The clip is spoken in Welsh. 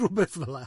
Rhywbeth fel'a.